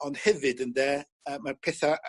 ond hefyd ynde yy ma'r petha